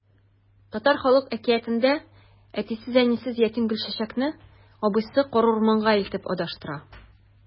Татар халык әкиятендә әтисез-әнисез ятим Гөлчәчәкне абыйсы карурманга илтеп адаштыра.